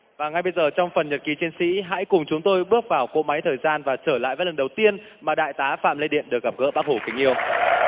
và ngay bây giờ trong phần nhật ký chiến sĩ hãy cùng chúng tôi bước vào cỗ máy thời gian và trở lại với lần đầu tiên mà đại tá phạm lê điện được gặp gỡ bác hồ kính yêu